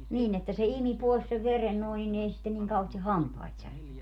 niin että se imi pois sen veren noin niin ei sitten niin kauheasti hampaita särkenyt